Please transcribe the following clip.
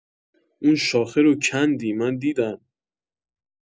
اون شاخه رو کندی من دیدم